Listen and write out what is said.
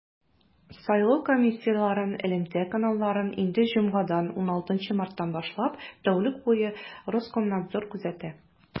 Сайлау комиссияләрен элемтә каналларын инде җомгадан, 16 марттан башлап, тәүлек буе Роскомнадзор күзәтә.